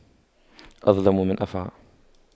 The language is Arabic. أظلم من أفعى